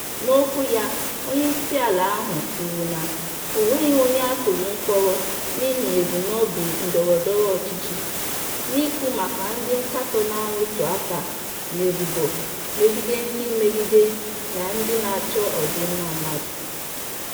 N'okwu ya, onyeisiala ahụ kwuru na “o nweghị onye a tụrụ mkpọrọ n'ihi ebumnobi ndọrọndọrọ ọchịchị, " n'ikwu maka ndị nkatọ na-arụtụ aka n'ebubo megide ndị mmegide na ndị na-achọ ọdịmma mmadụ.